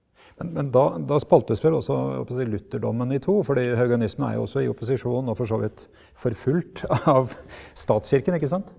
men men da da spaltes vel også holdt på å si lutherdommen i to fordi haugianismen er jo også i opposisjon og for så vidt forfulgt av statskirken ikke sant?